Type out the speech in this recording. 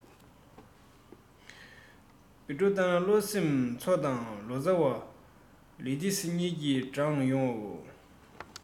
ཐོག མར བོད ལ དར བའི གསོ བ རིག པ ནི གང གི ལུགས ཡིན